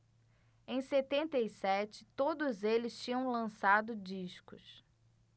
em setenta e sete todos eles tinham lançado discos